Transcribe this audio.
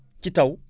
ci taw